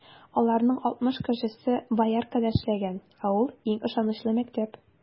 Аларның алтмыш кешесе Бояркада эшләгән, ә ул - иң ышанычлы мәктәп.